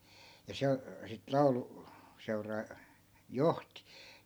ja se sitten - lauluseuraa johti